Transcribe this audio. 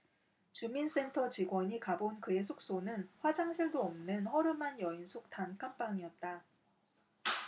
주민센터 직원이 가본 그의 숙소는 화장실도 없는 허름한 여인숙 단칸방이었다